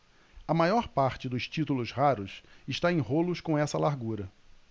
a maior parte dos títulos raros está em rolos com essa largura